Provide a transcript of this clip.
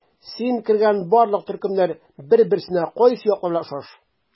Син кергән барлык төркемнәр бер-берсенә кайсы яклары белән охшаш?